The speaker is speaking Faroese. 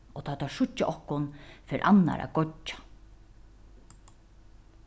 og tá teir síggja okkum fer annar at goyggja